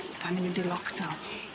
'Dan ni'n mynd i lockdown.